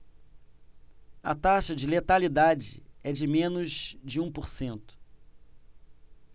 a taxa de letalidade é de menos de um por cento